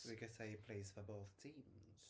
We could say he plays for both teams.